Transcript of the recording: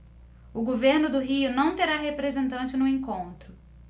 o governo do rio não terá representante no encontro